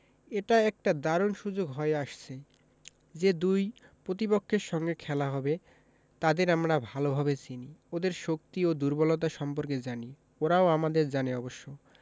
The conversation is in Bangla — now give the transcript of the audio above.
এটা একটা দারুণ সুযোগ হয়ে আসছে যে দুই প্রতিপক্ষের সঙ্গে খেলা হবে তাদের আমরা ভালোভাবে চিনি ওদের শক্তি ও দুর্বলতা সম্পর্কে জানি ওরাও আমাদের জানে অবশ্য